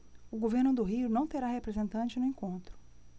o governo do rio não terá representante no encontro